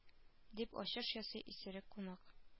Дип ачыш ясый исерек кунак